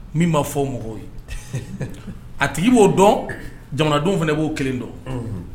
Min ma fɔ mɔgɔw ye a tigi b'o dɔn jamanadenw fana b'o kelen dɔn, unhun